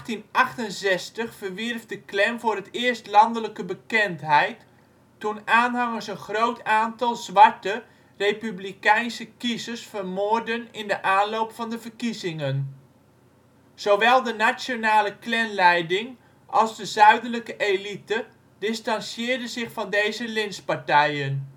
1868 verwierf de Klan voor het eerst landelijke bekendheid toen aanhangers een groot aantal - zwarte - republikeinse kiezers vermoordden in de aanloop naar de verkiezingen. Zowel de nationale Klanleiding als de Zuidelijke elite distantieerden zich van deze lynchpartijen